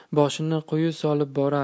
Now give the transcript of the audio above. boshini quyi solib borar